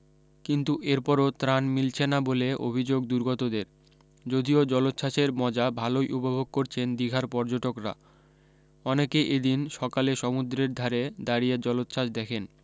কিন্তু এরপরও ত্রান মিলছে না বলে অভি্যোগ দুর্গতদের যদিও জলোচ্ছ্বাসের মজা ভালোই উপভোগ করছেন দিঘার পর্যটকরা অনেকে এদিন সকালে সমুদ্রের ধারে দাঁড়িয়ে জলোচ্ছ্বাস দেখেন